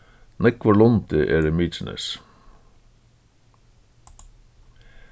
nógvur lundi er í mykinesi